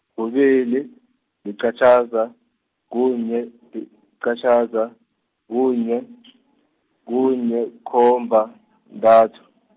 kubili, liqatjhaza, kunye di-, liqatjhaza, kunye , kunye, yikomba, -ntathu.